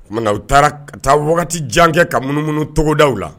Tuma u taara ka taa wagati jan kɛ ka munumunu tɔgɔgodaw la